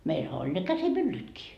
meillähän oli ne käsimyllytkin